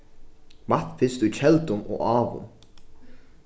vatn finst í keldum og áum